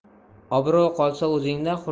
obro' qolsa o'zingda